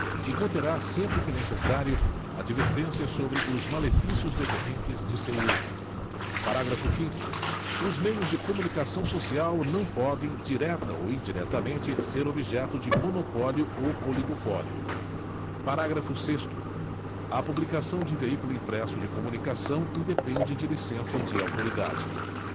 e conterá sempre que necessário advertência sobre os malefícios decorrentes de seu uso parágrafo quinto os meios de comunicação social não podem direta ou indiretamente ser objeto de monopólio ou oligopólio parágrafo sexto a publicação de veículo impresso de comunicação independe de licença de autoridade